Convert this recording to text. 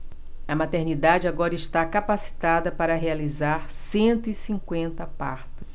a maternidade agora está capacitada para realizar cento e cinquenta partos